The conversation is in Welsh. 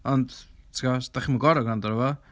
Ond tibod, os dach chi'm yn gorfod gwrando arna fo.